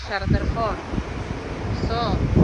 Siarad ar y ffôn. So.